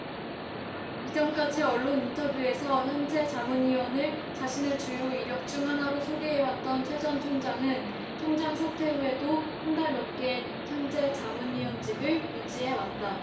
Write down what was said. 이전까지 언론 인터뷰에서 헌재 자문위원을 자신의 주요 이력 중 하나로 소개해왔던 최 전 총장은 총장 사퇴 후에도 한달 넘게 헌재 자문위원직을 유지해왔다